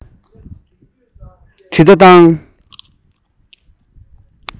དྲིལ བརྡ བཏང